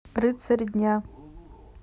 рыцарь дня